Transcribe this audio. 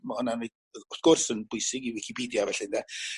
ma' wna'n eu... wrth gwrs yn bwysig i wicipedia felly ynde.